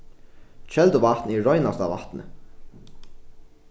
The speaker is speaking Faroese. kelduvatn er reinasta vatnið